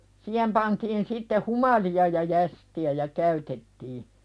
siihen pantiin sitten humalia ja jästiä ja käytettiin